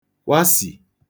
kwasì